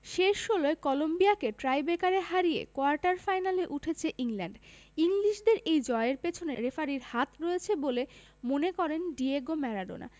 শেষ ষোলোয় কলম্বিয়াকে টাইব্রেকারে হারিয়ে কোয়ার্টার ফাইনালে উঠেছে ইংল্যান্ড ইংলিশদের এই জয়ের পেছনে রেফারির হাত রয়েছে বলে মনে করেন ডিয়েগো ম্যারাডোনা